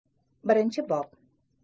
birinchi bob